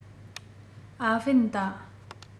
ཨ ཧྥེན ཏ